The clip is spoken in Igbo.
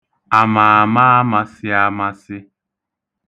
Àmààmaamāsị̄āmāsị̄